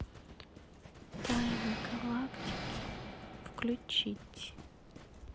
тайны галактики включить